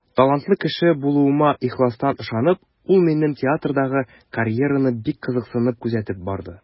Талантлы кеше булуыма ихластан ышанып, ул минем театрдагы карьераны бик кызыксынып күзәтеп барды.